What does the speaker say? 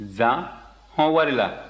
nsan hɔn wari la